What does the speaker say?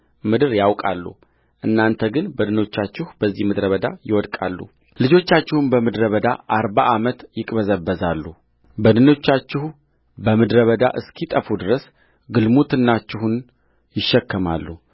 ምድር ያውቃሉእናንተ ግን በድኖቻችሁ በዚህ ምድረ በዳ ይወድቃሉልጆቻችሁም በምድረ በዳ አርባ ዓመት ይቅበዘበዛሉ በድኖቻችሁም በምድረ በዳ እስኪጠፉ ድረስ ግልሙትናችሁን ይሸከማሉ